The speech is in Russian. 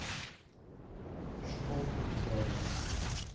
школа троллей